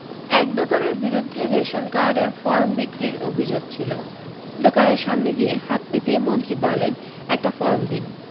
এক দোকানের বিরুদ্ধে রেশন কার্ডের ফর্ম বিক্রির অভি্যোগ ছিল দোকানের সামনে গিয়ে হাত পেতে মন্ত্রী বলেন একটা ফর্ম দিন